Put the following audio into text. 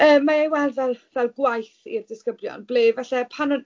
Yy mae e i weld fel fel gwaith i'r disgyblion, ble falle pan o'n...